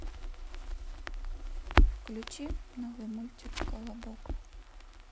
включи новый мультик колобок